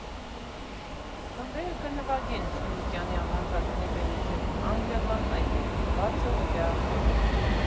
Խմբերը կնվագեն Սունդուկյանի անվան թատրոնի բեմից և Անգլիական այգում՝ բացօթյա։